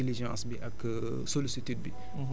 ñu naan ko madame Diop Ndeye Awa Sow